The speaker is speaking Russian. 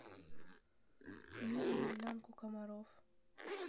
мир наизнанку комаров